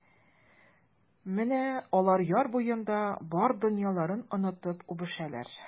Менә алар яр буенда бар дөньяларын онытып үбешәләр.